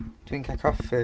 Dwi'n cael coffi.